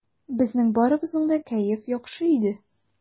Безнең барыбызның да кәеф яхшы иде.